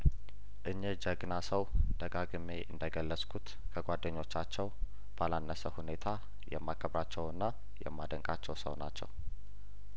እኝህ ጀግና ሰው ደጋግ ሜ እንደገለጽኩት ከጓደኞቻቸው ባላነሰ ሁኔታ የማከብራቸውና የማ ደንቃቸው ሰው ናቸው